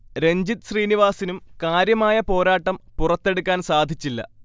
രൺജിത് ശ്രീനിവാസിനും കാര്യമായ പോരാട്ടം പുറത്തെടുക്കാൻ സാധച്ചില്ല